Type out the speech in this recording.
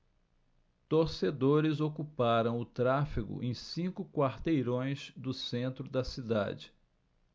torcedores ocuparam o tráfego em cinco quarteirões do centro da cidade